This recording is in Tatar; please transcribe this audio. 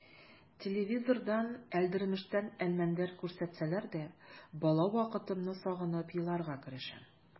Телевизордан «Әлдермештән Әлмәндәр» күрсәтсәләр дә бала вакытымны сагынып еларга керешәм.